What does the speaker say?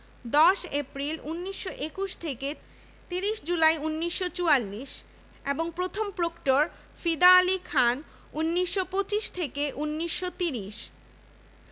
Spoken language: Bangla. ১৯৭৬ সাল থেকে প্রো ভাইস চ্যান্সেলর পদ সৃষ্টি করা হয় প্রথম প্রো ভাইস চ্যান্সেলর নিযুক্ত হন ড. মফিজুল্লাহ কবির এ পর্যন্ত ১৩ জন এ পদে দায়িত্বপালন করেন